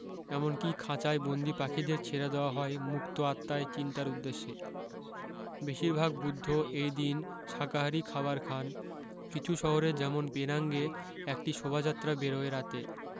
এমনকি খাঁচায় বন্দি পাখিদের ছেড়ে দেওয়া হয় মুক্ত আত্মায় চিন্তার উদ্দেশ্যে বেশিরভাগ বুদ্ধ এই দিন শাকাহারী খাবার খান কিছু শহরে যেমন পেনাঙ্গে একটি শোভাযাত্রা বেরোয় রাতে